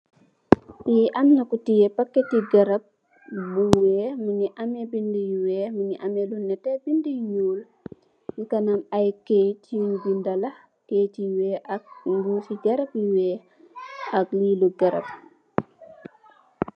Le amna ku tai parket ti garap mu ngi am binda yu weyh ak yu nette ak yu ñuul si kanam mugi ameh keit yon binda kait yu weyh ak mbusi garab yu weyh ak le di garab.